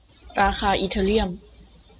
ราคาอีเธอเรียม